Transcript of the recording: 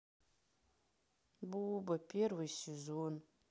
буба первый сезон